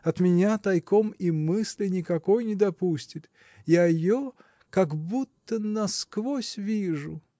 от меня тайком и мысли никакой не допустит. Я ее как будто насквозь вижу.